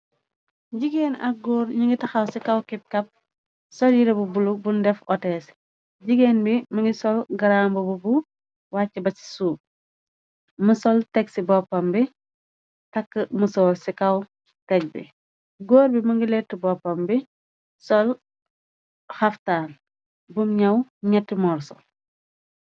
Jigeen ak góor ñu ngi taxaw ci kaw kep kap sol yira bu bulo bun def otees jigeen bi mogi sol garambubu bu wàca ba ci suuf mu sol teg ci boppam bi taka musurr ci kaw teg bi góor bi mogi latu boppam bi sol xaftan bum ñaw ñetti morso.